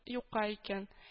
Юкка икән